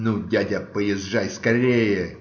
"- Ну, дядя, поезжай скорее!